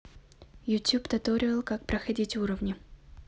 youtube тотуриал как проходить уровни